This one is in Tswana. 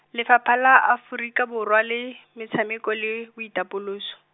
Lefapha la Aforika Borwa la, Metshameko le, Boitapoloso.